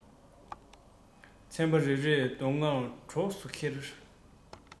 ཚན པ རེ རེས མདོ སྔགས གྲོགས སུ འཁྱེར